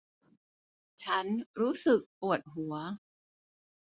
ฉันรู้สึกปวดหัว